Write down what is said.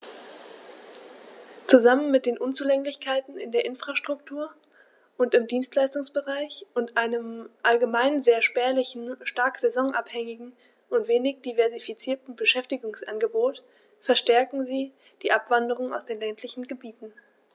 Zusammen mit den Unzulänglichkeiten in der Infrastruktur und im Dienstleistungsbereich und einem allgemein sehr spärlichen, stark saisonabhängigen und wenig diversifizierten Beschäftigungsangebot verstärken sie die Abwanderung aus den ländlichen Gebieten.